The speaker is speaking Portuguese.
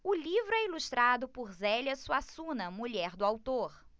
o livro é ilustrado por zélia suassuna mulher do autor